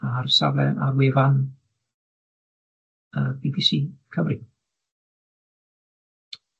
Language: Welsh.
Ar safle ar wefan yy Bee Bee See Cymru.